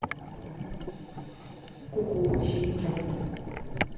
куку синий трактор